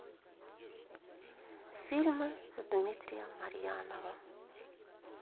фильмы с дмитрием марьяновым